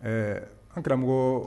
Ɛɛ an karamɔgɔ